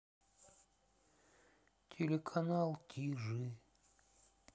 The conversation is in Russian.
телеканал ти жи